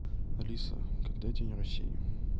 алиса когда день россии